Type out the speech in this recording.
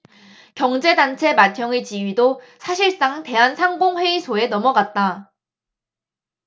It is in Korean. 경제단체 맏형의 지위도 사실상 대한상공회의소에 넘어갔다